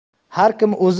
har kim o'zi